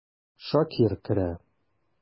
Шакир керә.